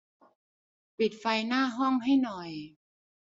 ปิดไฟหน้าห้องให้หน่อย